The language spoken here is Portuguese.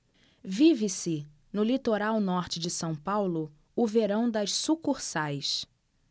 vive-se no litoral norte de são paulo o verão das sucursais